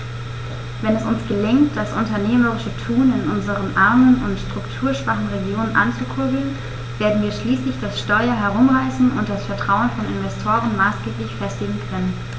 Wenn es uns gelingt, das unternehmerische Tun in unseren armen und strukturschwachen Regionen anzukurbeln, werden wir schließlich das Steuer herumreißen und das Vertrauen von Investoren maßgeblich festigen können.